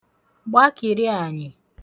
gbakìri ànyị̀